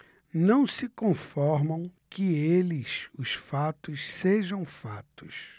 não se conformam que eles os fatos sejam fatos